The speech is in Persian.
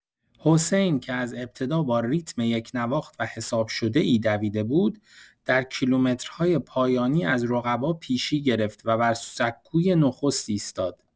حسین که از ابتدا با ریتم یکنواخت و حساب‌شده‌ای دویده بود، در کیلومترهای پایانی از رقبا پیشی گرفت و بر سکوی نخست ایستاد.